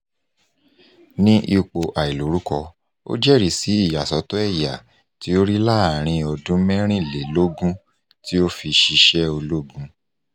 Ní ipò àìlórúkọ, ó jẹ́rìí sí ìyàsọ́tọ̀ ẹ̀yà tí ó rí láàárín ọdún mẹ́rìnlélógún tí ó fi ṣiṣẹ́ ológun: